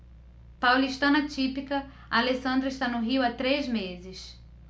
paulistana típica alessandra está no rio há três meses